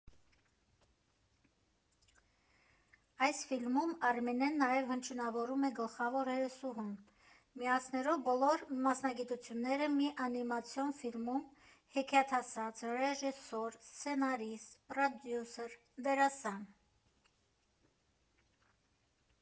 Այս ֆիլմում Արմինեն նաև հնչյունավորում է գլխավոր հերոսուհուն՝ միացնելով բոլոր մասնագիտությունները մի անիմացիոն ֆիլմում՝ հեքիաթասաց, ռեժիսոր, սցենարիստ, պրոդյուսեր, դերասան։